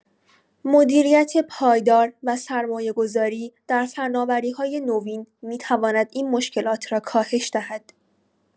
مدیریت پایدار و سرمایه‌گذاری در فناوری‌های نوین می‌تواند این مشکلات را کاهش دهد.